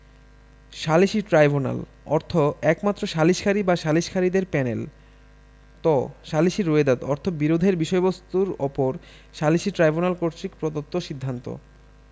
সালিসী ট্রাইব্যুনাল অর্থ একমাত্র সালিসকারী বা সালিসকারীদের প্যানেল ত সালিসী রোয়েদাদ অর্থ বিরোধের বিষয়বস্তুর উপর সালিসী ট্রাইব্যুনাল কর্তৃক প্রদত্ত সিদ্ধান্ত